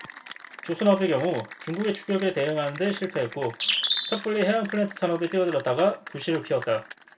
조선업의 경우 중국의 추격에 대응하는 데 실패했고 섣불리 해양플랜트 산업에 뛰어들었다가 부실을 키웠다